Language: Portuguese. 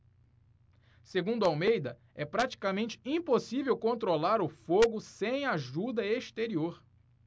segundo almeida é praticamente impossível controlar o fogo sem ajuda exterior